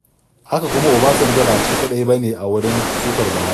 Haka kuma Obasanjo ba shi kaɗai ba ne a wurin sukar Buhari.